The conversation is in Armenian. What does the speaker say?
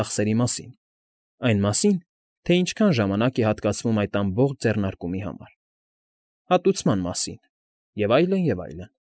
Ծախսերի մասին, այն մասին, թե ինչքան ժամանակ է հատկացվում այդ ամբողջ ձեռնարկումի համար, հատուցման մասին և այլն, և այլն։